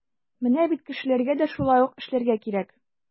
Менә бит кешеләргә дә шулай ук эшләргә кирәк.